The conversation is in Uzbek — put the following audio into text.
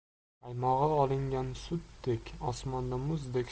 qaymog'i olingan sutdek osmonda muzdek